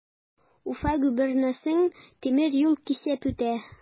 Уфа губернасын тимер юл кисеп үтә.